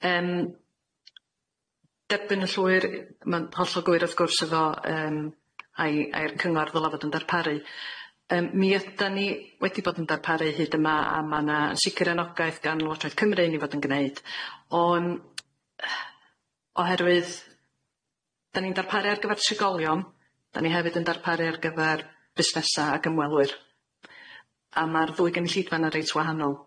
Yym derbyn y llwyr ma'n hollol gywir wrth gwrs iddo yym a'i a'i'r cyngor ddyla fod yn darparu yym mi ydan ni wedi bod yn darparu hyd yma a ma' na yn sicir annogaeth gan Llywodraeth Cymru i ni fod yn gneud ond oherwydd dan ni'n darparu ar gyfer trigolion dan ni hefyd yn darparu ar gyfer busnesa ag ymwelwyr a ma'r ddwy gynulleidfa'n yn reit wahanol.